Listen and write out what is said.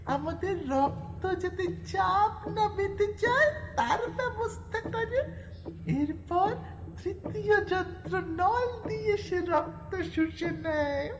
আমাদের রক্ত যাতে চাপ না বেঁধে যায় তার ব্যবস্থা করে এরপর তৃতীয় যন্ত্র নল দিয়ে সে রক্ত শুষে নেয়